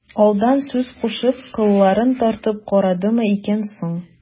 Алдан сүз кушып, кылларын тартып карадымы икән соң...